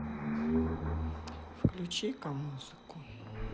включи ка музыку